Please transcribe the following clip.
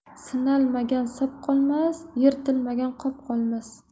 sinalmagan sop qolmas yirtilmagan qop qolmas